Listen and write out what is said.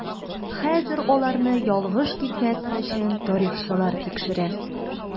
Хәзер аларны ялгыш китмәсен өчен тарихчылар тикшерә.